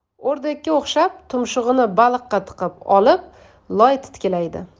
o'rdakka o'xshab tumshug'ini balchiqqa tiqib olib loy titkilaydi